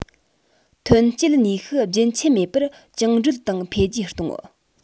ཐོན སྐྱེད ནུས ཤུགས རྒྱུན ཆད མེད པར བཅིངས འགྲོལ དང འཕེལ རྒྱས གཏོང